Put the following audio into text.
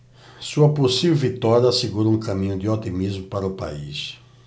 sua possível vitória assegura um caminho de otimismo para o país